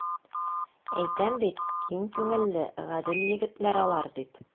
Әйтәм бит, киң күңелле, гадел егетләр алар, дип.